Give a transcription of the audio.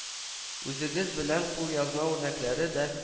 Үзегез белән кулъязма үрнәкләрне дә